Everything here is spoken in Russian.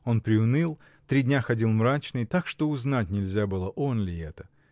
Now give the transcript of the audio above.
Он приуныл, три дня ходил мрачный, так что узнать нельзя было: он ли это?